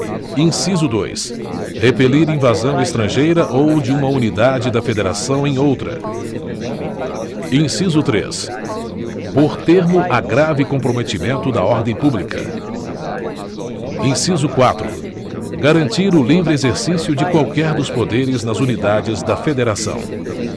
inciso dois repelir invasão estrangeira ou de uma unidade da federação em outra inciso três por termo a grave comprometimento da ordem pública inciso quatro garantir o livre exercício de qualquer dos poderes nas unidades da federação